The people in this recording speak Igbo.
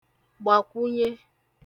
gbàkwunye